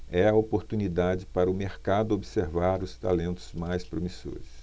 é a oportunidade para o mercado observar os talentos mais promissores